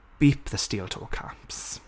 Beep the steel-toe caps.